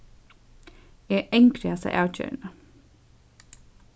eg angri hasa avgerðina